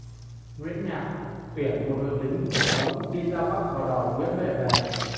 nguyễn nhạc tuyển một đội lính hộ tống đi ra bắc và đòi nguyễn huệ về